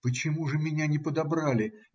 Почему же меня не подобрали?